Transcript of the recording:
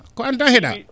ko aan tan heɗaa